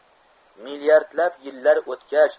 millaardlab yillar o'tgach